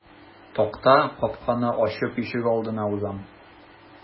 Такта капканы ачып ишегалдына узам.